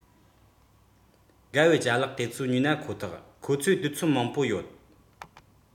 དགའ བའི ཅ ལག དེ ཚོ ཉོས ན ཁོ ཐག ཁོ ཚོས དུས ཚོད མང པོ ཡོད